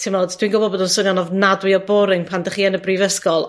Ti 'mod? Dwi'n gwbo bod o'n swnio'n ofnadwy o boring pan 'dych chi yn y brifysgol.